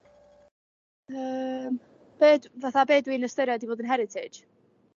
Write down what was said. Yym be atha be dwi'n ystyried i fod yn heritage?